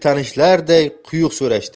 tanishlarday quyuq so'rashdi